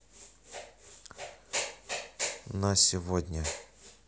на сегодня